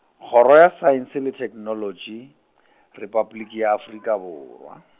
Kgoro ya Saense le Theknolotši , Repabliki ya Afrika Borwa.